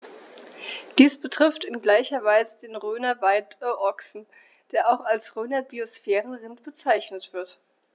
Dies betrifft in gleicher Weise den Rhöner Weideochsen, der auch als Rhöner Biosphärenrind bezeichnet wird.